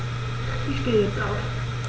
Ich stehe jetzt auf.